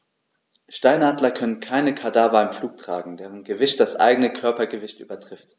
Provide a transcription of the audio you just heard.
Steinadler können keine Kadaver im Flug tragen, deren Gewicht das eigene Körpergewicht übertrifft.